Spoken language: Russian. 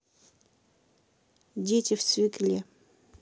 дети в свекле